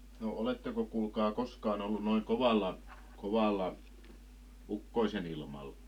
no oletteko kuulkaa koskaan ollut noin kovalla kovalla ukkosenilmalla